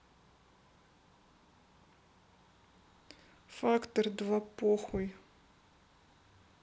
фактор два похуй